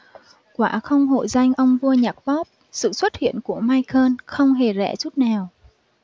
quả không hổ danh ông vua nhạc pop sự xuất hiện của michael không hề rẻ chút nào